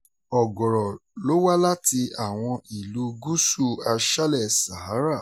Ọ̀gọ̀rọ̀ ló wá láti àwọn Ìlú Gúúsù Aṣálẹ̀ Sahara.